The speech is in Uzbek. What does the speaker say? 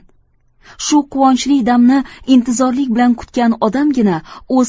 shu quvonchli damni intizorlik bilan kutgan odamgina o'z